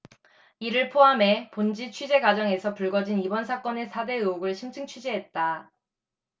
이를 포함해 본지 취재 과정에서 불거진 이번 사건의 사 대 의혹을 심층 취재했다